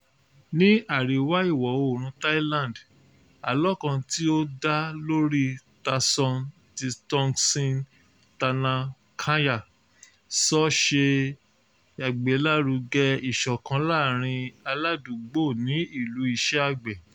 Ní àríwá ìwọ-oòrùn Thailand, àlọ́ kan tí ó dá lórí Ta Sorn tí Tongsin Tanakanya sọ ṣe ìgbélárugẹ ìṣọ̀kan láàárín aládùúgbò ní ìlú iṣẹ́ àgbẹ̀.